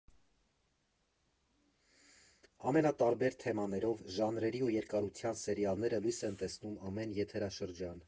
Ամենտարբեր թեմաներով, ժանրերի ու երկարության սերիալները լույս են տեսնում ամեն եթերաշրջան։